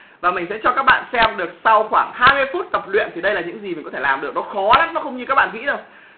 và mình sẽ cho các bạn xem được sau khoảng hai phút tập luyện thì đây là những gì mình có thể làm được nó khó nó không như các bạn nghĩ đâu